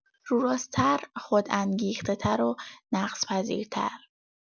روراست‌تر خودانگیخته‌تر و نقص‌پذیرتر